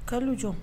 Ka jɔ